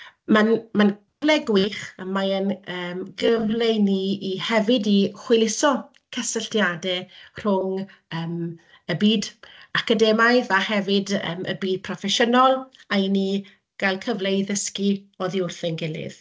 ma'n ma'n gyfle gwych, a mae e'n yym gyfle i ni i hefyd i hwyluso cysylltiadau rhwng yym y byd academaidd a hefyd yym y byd proffesiynol a i ni gael cyfle i ddysgu oddi wrth ein gilydd.